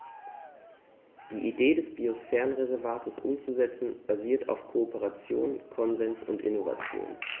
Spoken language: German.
Die Idee des Biosphärenreservates umzusetzen, basiert auf Kooperation, Konsens und Innovation.